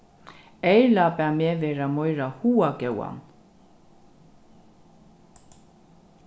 erla bað meg vera meira hugagóðan